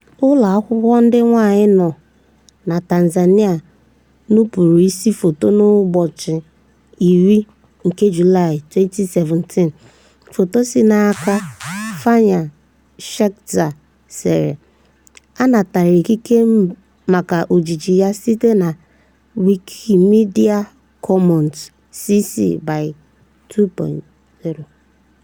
Ụmụakwụkwọ ndị nwaanyị nọ na Tanzania nọpụtara ise foto n'ụbọchị 10 nke Julaị, 2007. Foto si n'aka Fanny Schertzer sere, a natara ikike maka ojiji ya site na Wikimedia Commons, CC BY 2.0.